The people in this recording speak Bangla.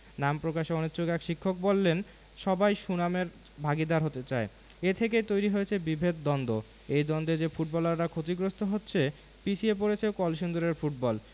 নাম প্রকাশে অনিচ্ছুক এক শিক্ষক বললেন সবাই সুনামের ভাগীদার হতে চায় এ থেকেই তৈরি হয়েছে বিভেদ দ্বন্দ্ব এই দ্বন্দ্বে যে ফুটবলাররা ক্ষতিগ্রস্ত হচ্ছে পিছিয়ে পড়ছে কলসিন্দুরের ফুটবল